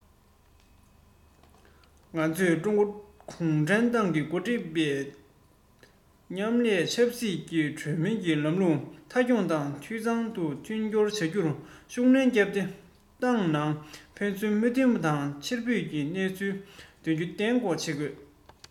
ང ཚོས ཀྲུང གོ གུང ཁྲན ཏང གིས འགོ ཁྲིད པའི ཏང མང མཉམ ལས དང ཆབ སྲིད གྲོས མོལ གྱི ལམ ལུགས མཐའ འཁྱོངས དང འཐུས ཚང དུ མཐུན སྦྱོར བྱ རྒྱུར ཤུགས སྣོན བརྒྱབ སྟེ ཏང ནང ཕན ཚུན མི མཐུན པ དང ཕྱིར འབུད ཀྱི སྣང ཚུལ ཐོན རྒྱུ གཏན འགོག བྱེད དགོས